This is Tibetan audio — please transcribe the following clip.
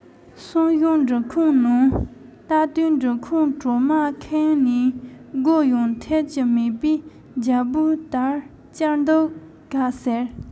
སང ཞོགས འབྲུ ཁང ནང ལྟ དུས འབྲུ ཁང གྲོ མས ཁེངས ནས སྒོ ཡང འཐེབ ཀྱི མེད པས རྒྱལ པོས ད བསྐྱལ འདུག ག ཟེར